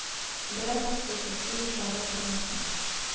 Бераз аксыл төсле, йомшаграк бер нәрсә